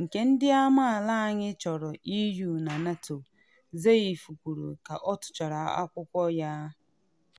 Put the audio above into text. nke ndị amaala anyị chọrọ EU na NATO,” Zaev kwuru ka ọ tụchara akwụkwọ ya.